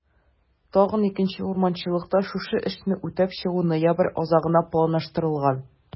Тагын 2 урманчылыкта шушы эшне үтәп чыгу ноябрь азагына планлаштырылган.